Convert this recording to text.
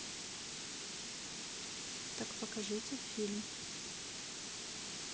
так покажите фильм